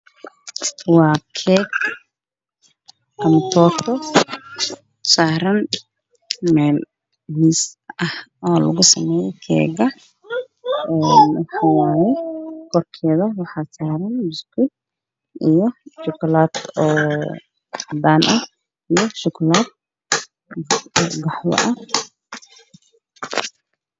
Waa keeg ama toorto saaran miis ah oo lagu sameeyey miiska korkeeda waxaa saaran buskud iyo shukulaato cadaan ah iyo shukulaato qaxwi ah